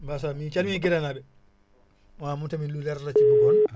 waaw moom tamit lu leer la ci bëggoon